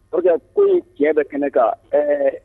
Parce que ko ye tiɲɛ bɛ kɛnɛ kan ɛɛ